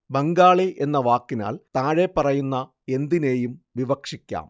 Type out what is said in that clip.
ബംഗാളി എന്ന വാക്കിനാല്‍ താഴെപ്പറയുന്ന എന്തിനേയും വിവക്ഷിക്കാം